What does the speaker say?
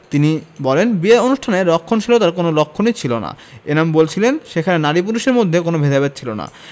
তিনি বলেন বিয়ের অনুষ্ঠানে রক্ষণশীলতার কোনো লক্ষণই ছিল না এনাম বলছিলেন সেখানে নারী পুরুষের মধ্যে কোনো ভেদাভেদ ছিল না